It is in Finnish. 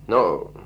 no